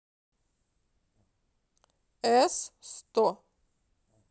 эс сто